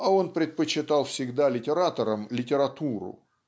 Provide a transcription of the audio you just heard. а он предпочитал всегда литераторам литературу.